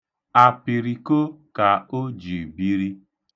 Apiriko ka o ji biri.